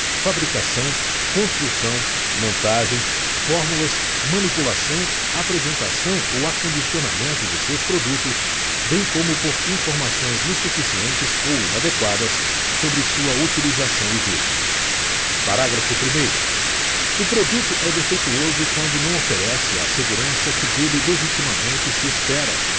fabricação construção montagem fórmulas manipulação apresentação ou acondicionamento de seus produtos bem como por informações insuficientes ou inadequadas sobre sua utilização e riscos parágrafo primeiro o produto é defeituoso quando não oferece a segurança que dele legitimamente se espera